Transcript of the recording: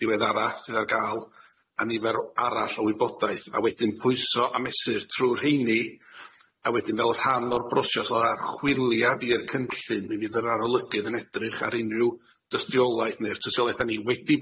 ddiweddara sydd ar ga'l a nifer o arall o wybodaeth a wedyn pwyso a mesur trw rheini a wedyn fel rhan o'r brosiath o archwiliad i'r cynllun mi fydd yr arolygydd yn edrych ar unrhyw dystiolaeth ne'r tystiolaeth dan ni wedi